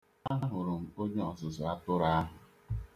Ahụrụ m onye ọzụzụ atụrụ ahụ.